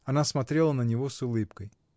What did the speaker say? Она смотрела на него с улыбкой.